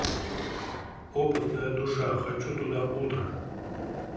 опытная душа хочу туда утро